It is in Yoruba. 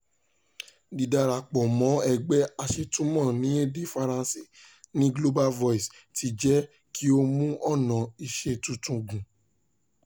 Dīdarapọ̀ mọ́ ẹgbẹ́ aṣètumọ̀ ní èdè Faransé ní Global Voices ti jẹ́ kí ó mú ọ̀nà ìṣe tuntun gùn.